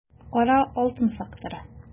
Кара алтын факторы